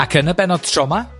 Ac yn y bennod tro 'ma